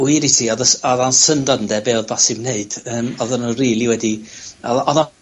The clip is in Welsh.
wir i ti, odd y sy- odd o'n syndod ynde be' odd bosib neud, yym, odden nw rili wedi odd o odd o